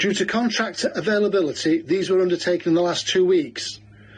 Due to contractor availability, these were undertaken in the last two weeks.